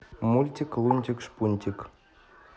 мультик лунтик шпунтик